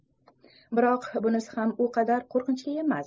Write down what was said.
biroq bunisi ham u qadar qo'rqinchli emas